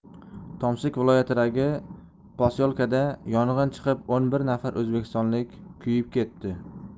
tomsk viloyatidagi posyolkada yong'in chiqib o'n bir nafar o'zbekistonlik kuyib ketdi